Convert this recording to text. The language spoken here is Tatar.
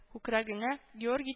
Күкрәгенә Георгий